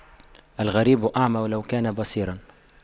الغريب أعمى ولو كان بصيراً